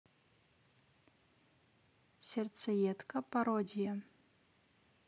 сердцеедка пародия